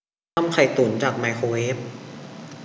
ทำไข่ตุ๋นจากไมโครเวฟ